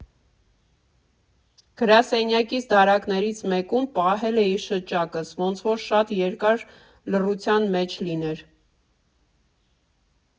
Գրասեղանիս դարակներից մեկում պահել էի շչակս, ոնց֊որ շատ երկար լռության մեջ լիներ։